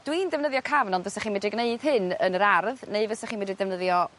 dwi'n defnyddio cafn ond fysach chi'n medru gneud hyn yn yr ardd neu fysach chi'n medru defnyddio